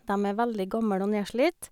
Dem er veldig gammel og nedslitt.